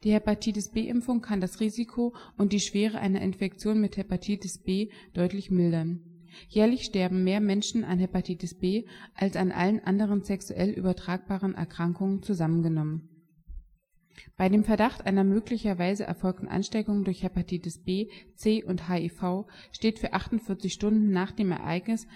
Hepatitis-B-Impfung kann das Risiko und die Schwere einer Infektion mit Hepatitis B deutlich mildern. Jährlich sterben mehr Menschen an Hepatitis B als an allen anderen sexuell übertragbaren Erkrankungen zusammengenommen. Bei dem Verdacht einer möglicherweise erfolgten Ansteckung durch Hepatitis B, C und HIV steht für 48 Stunden nach dem Ereignis